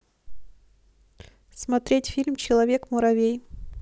смотреть фильм человек муравей